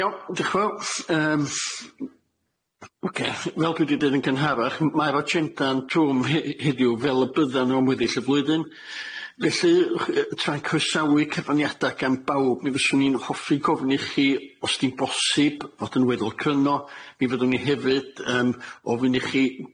Iawn diolch yn fawr yym oce fel dwi di deud yn gynharach m- ma'r agenda'n drwm he- heddiw fel y bydda'n nhw am weddill y flwyddyn felly yy tra'n croesawu cyfraniada gan bawb mi fyswn i'n hoffi gofyn i chi os di'n bosib fod yn weddol cryno mi fyddwn i hefyd yym ofyn i chi